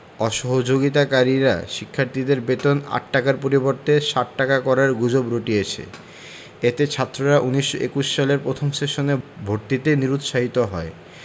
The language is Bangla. অসহযোগিতাকারীরা শিক্ষার্থীদের বেতন ৮ টাকার পরিবর্তে ৬০ টাকা করার গুজব রটিয়েছে এতে ছাত্ররা ১৯২১ সালে প্রথম সেশনে ভর্তিতে নিরুৎসাহিত হয়